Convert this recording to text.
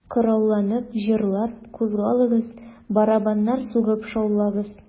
Коралланып, җырлар, кузгалыгыз, Барабаннар сугып шаулагыз...